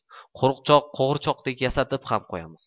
qo'g'irchoqdek yasatib ham qo'yamiz